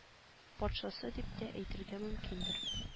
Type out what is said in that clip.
Патшасы дип тә әйтергә мөмкиндер